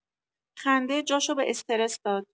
خنده جاشو به استرس داد.